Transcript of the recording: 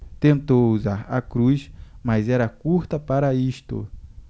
tentou usar a cruz mas era curta para isto